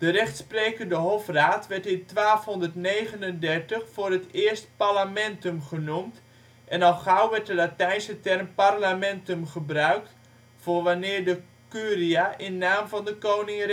rechtsprekende hofraad werd in 1239 voor het eerst pallamentum genoemd en al gauw werd de Latijnse term parlamentum gebruikt voor wanneer de curia in naam van de koning